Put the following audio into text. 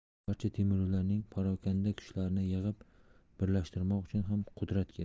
barcha temuriylarning parokanda kuchlarini yig'ib birlashtirmoq uchun ham qudrat kerak